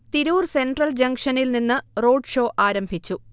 Tirur central ജംഗ്ഷനിൽ നിന്ന് roadshow ആരംഭിച്ചു